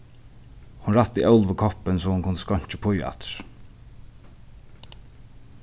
hon rætti óluvu koppin so hon kundi skeinkja uppí aftur